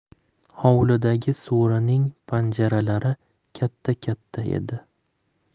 hovlidagi so'rining panjaralari katta katta edi